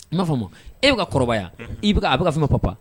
N m'a fɔ ma e bɛ ka kɔrɔbaya a bɛ ka fɛnma pa